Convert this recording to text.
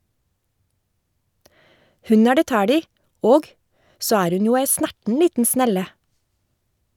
Hun er det tæl i, og, så er hun jo ei snerten liten snelle.